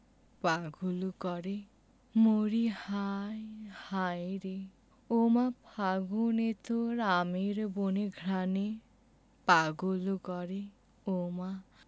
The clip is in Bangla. পাগল করে মরিহায় হায়রে ওমা ফাগুনে তোর আমের বনে ঘ্রাণে পাগল করে ওমা